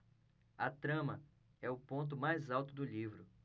a trama é o ponto mais alto do livro